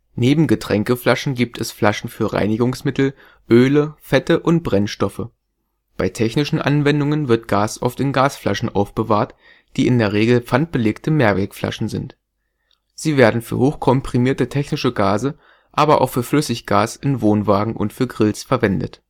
Neben Getränkeflaschen gibt es Flaschen für Reinigungsmittel, Öle, Fette und Brennstoffe. Bei technischen Anwendungen wird Gas oft in Gasflaschen aufbewahrt, die in der Regel pfandbelegte Mehrwegflaschen sind. Sie werden für hochkomprimierte technische Gase, aber auch für Flüssiggas in Wohnwagen und für Grills verwendet